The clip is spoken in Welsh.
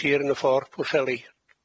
Ceir yn y ffor Pwllheli.